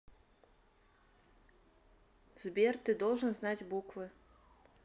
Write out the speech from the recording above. сбер ты должен знать буквы